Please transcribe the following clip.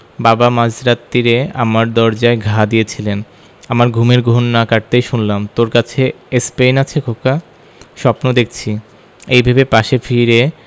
বাবা মাঝ রাত্তিরে আমার দরজায় ঘা দিয়েছিলেন আমার ঘুমের ঘোর না কাটতেই শুনলাম তোর কাছে এ্যাসপিরিন আছে খোকা স্বপ্ন দেখছি এই ভেবে পাশে ফিরে